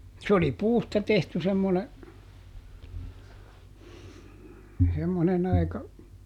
se oli puusta tehty semmoinen semmoinen aika